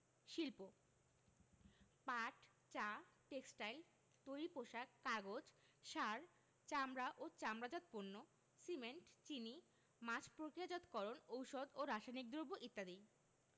শিল্পঃ পাট চা টেক্সটাইল তৈরি পোশাক কাগজ সার চামড়া ও চামড়াজাত পণ্য সিমেন্ট চিনি মাছ প্রক্রিয়াজাতকরণ ঔষধ ও রাসায়নিক দ্রব্য ইত্যাদি